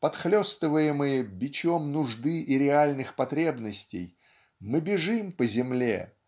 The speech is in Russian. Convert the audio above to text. Подхлестываемые бичом нужды и реальных потребностей мы бежим по земле